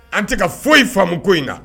An tɛ ka foyi ye faamu ko in na